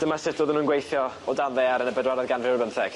Dyma sut odden nw'n gweithio o dan ddaear yn y bedwaredd ganrif ar bymtheg.